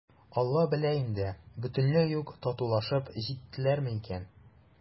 «алла белә инде, бөтенләй үк татулашып җиттеләрме икән?»